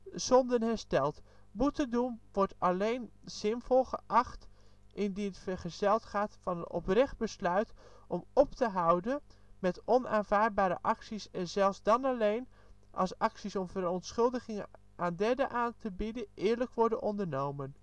zonden herstelt. Boete doen wordt alleen zinvol geacht, indien vergezeld van een oprecht besluit om op te houden met onaanvaardbare acties en zelfs dan alleen als acties om verontschuldigingen aan derden aan te bieden eerlijk worden ondernomen